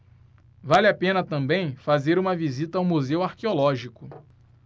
vale a pena também fazer uma visita ao museu arqueológico